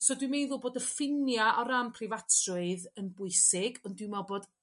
So dwi meddwl bod y ffinia' o ran preifatrwydd yn bwysig ond dwi me'l bod